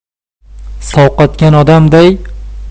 sovqatgan odamday badaniga